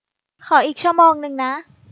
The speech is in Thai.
ขออีกชั่วโมงนึงนะ